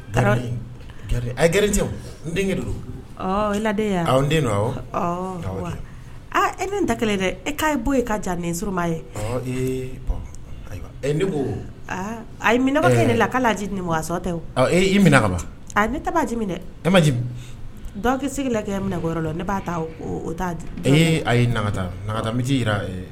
Taara n anw den aa e ne ta kelen dɛ e k'a ye bɔ ye ka jaabi ni surma ye ne ko a ye minabali de la k'aji nin wa sɔ tɛ minɛ ka ne taarajimi dɛ e ma dɔw tɛ sigilen la kɛ minɛkɔ la ne b'a ta t' di e a ye natata misiji jira